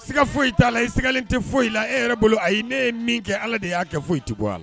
Siga foyi t' la iigalen tɛ foyi i la e yɛrɛ bolo ayi ne ye min kɛ ala de y'a kɛ foyi tɛ bɔ a la